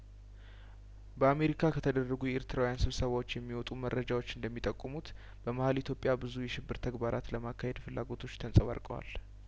በአሜሪካ ከተደረጉ የኤርትራውያን ስብሰባዎች የሚወጡ መረጃዎች እንደሚጠቁሙት በመሀል ኢትዮጵያ ብዙ የሽብር ተግባራት ለማካሄድ ፍላጐቶች ተንጸባ ርቀዋል